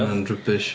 Mae'n rubish.